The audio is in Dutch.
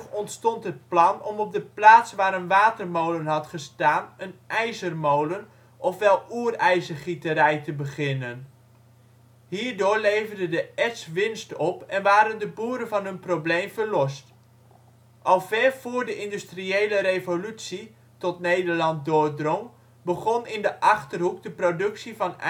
ontstond het plan om op de plaats waar een watermolen had gestaan een ' ijzermolen ' ofwel oerijzergieterij te beginnen. Hierdoor leverde het erts winst op en waren de boeren van hun probleem verlost. Al ver voor de Industriële revolutie tot Nederland doordrong begon in de Achterhoek de productie van